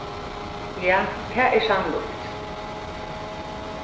ja tað er sannlíkt